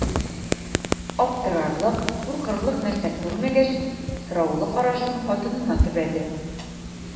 Аптырарлык, куркырлык нәрсә күрмәгәч, сораулы карашын хатынына төбәде.